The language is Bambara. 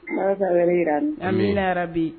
Ala ka san wɛrɛ yira an na amii amiina yarabi